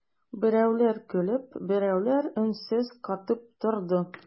Берәүләр көлеп, берәүләр өнсез катып торды.